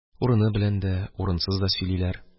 Урыны белән дә, урынсыз да сөйлиләр.